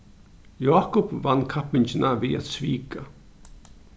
jákup vann kappingina við at svika